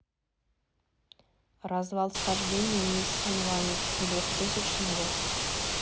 развал схождение ниссан ванет двухтысячный год